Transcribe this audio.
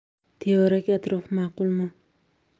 tevarak atrof ma'qulmi